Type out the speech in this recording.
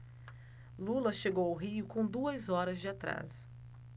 lula chegou ao rio com duas horas de atraso